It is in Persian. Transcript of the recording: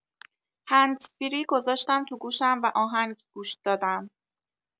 هندزفری گذاشتم تو گوشم و آهنگ گوش دادم.